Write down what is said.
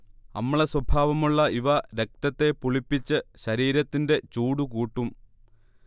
അമ്ലസ്വഭാവമുള്ള ഇവ രക്തത്തെ പുളിപ്പിച്ച് ശരീരത്തിന്റെ ചൂടു കൂട്ടും